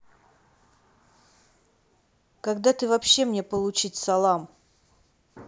когда ты вообще мне получить салам